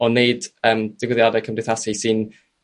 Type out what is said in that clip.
ond 'neud ymm digwyddiadau cymdeithasu sy'n